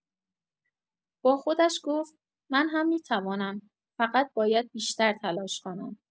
با خودش گفت: «من هم می‌توانم، فقط باید بیشتر تلاش کنم.»